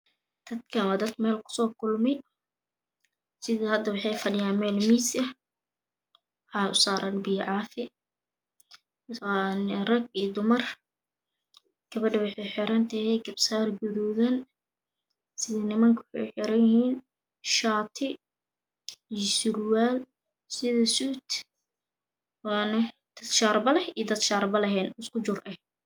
Dadkaani waa dad meel ku Soo wada kulmi sida hadda waxay dhagiyaan meel miis eh waxa u saaran biyo caafi waa rag iyo dumar gabadhu waxay xeran tahay darba-saar gaduudan sii nimanka waxay xeran yihiin shaati surwaal sida shuud waane dad shaarbe leh iyo waan aan saarbe laheyn isku jur eh